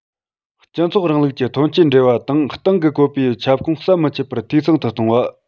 སྤྱི ཚོགས རིང ལུགས ཀྱི ཐོན སྐྱེད འབྲེལ བ དང སྟེང གི བཀོད པའི ཁྱབ ཁོངས ཟམ མི ཆད པར འཐུས ཚང དུ གཏོང བ